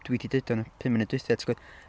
d- dwi 'di deud o yn y pum munud diwethaf timod...